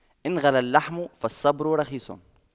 إن غلا اللحم فالصبر رخيص